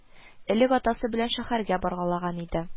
Элек атасы белән шәһәргә баргалаган иде